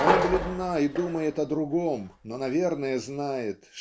Она бледна и думает о другом но наверно знает